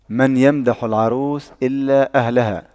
من يمدح العروس إلا أهلها